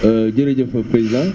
jërëjëf président